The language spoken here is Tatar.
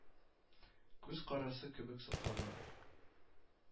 Күз карасы кебек сакларга